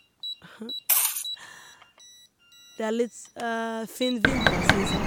Det er litt fin vinter, syns jeg.